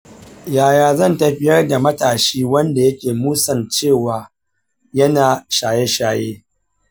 yaya zan tafiyar da matashi wanda yake musun cewa yana shaye-shaye?